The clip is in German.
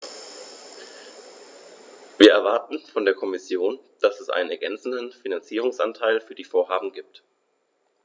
Wir erwarten von der Kommission, dass es einen ergänzenden Finanzierungsanteil für die Vorhaben gibt.